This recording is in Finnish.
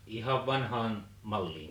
ihan vanhaan malliin